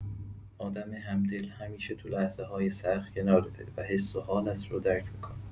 آدم همدل همیشه تو لحظه‌های سخت کنارته و حس و حالت رو درک می‌کنه.